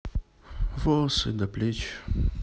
волосы до плеч